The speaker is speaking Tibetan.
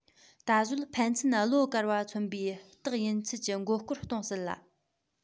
ད གཟོད ཕན ཚུན བློ དཀར བ མཚོན པའི རྟགས ཡིན ཚུལ གྱི མགོ སྐོར གཏོང སྲིད ལ